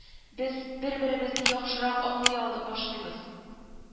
Без бер-беребезне яхшырак аңлый ала башлыйбыз